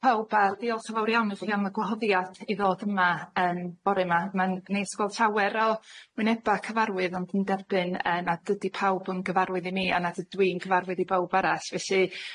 Pawb a diolch yn fawr iawn i chi am y gwahoddiad i ddod yma yn bore 'ma, ma'n neis gweld llawer o wyneba' cyfarwydd ond yn derbyn yy nad ydi pawb yn gyfarwydd i mi a nad ydw i'n cyfarwydd i bawb arall felly.